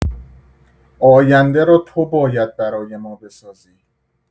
آینده را تو باید برای ما بسازی.